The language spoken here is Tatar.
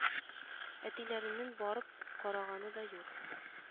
Әтиләренең барып караганы да юк